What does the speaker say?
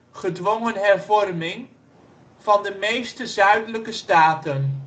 gedwongen hervorming) van de meeste Zuidelijke staten